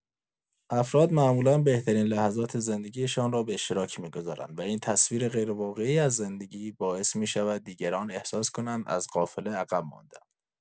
افراد معمولا بهترین لحظات زندگی‌شان را به اشتراک می‌گذارند و این تصویر غیرواقعی از زندگی، باعث می‌شود دیگران احساس کنند از قافله عقب مانده‌اند.